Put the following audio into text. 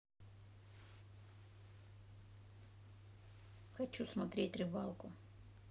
хочу смотреть рыбалку